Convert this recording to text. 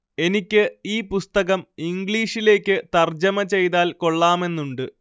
എനിക്ക് ഈ പുസ്തകം ഇംഗ്ലീഷിലേക്ക് തർജ്ജമ ചെയ്താൽ കൊള്ളാമെന്നുണ്ട്